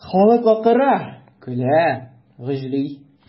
Халык акыра, көлә, гөжли.